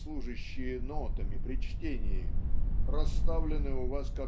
служащие нотами при чтении расставлены у Вас